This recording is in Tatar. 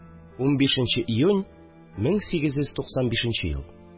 15 нче июнь, 1895 ел